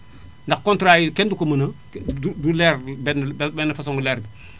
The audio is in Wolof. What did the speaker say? ndax contrats yi kenn du ko mën a du du leer benn benn façon leer bi